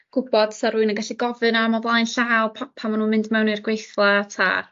gwbod 'sa rywun yn gallu gofyn am o blaen llaw pa- pan ma' nw'n mynd mewn i'r gweithla 'ta?